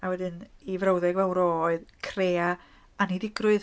A wedyn ei frawddeg fawr o oedd "crea aniddigrwydd".